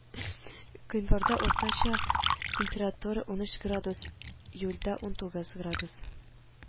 Гыйнварда уртача температура унөч градус; июльдә унтугыз градус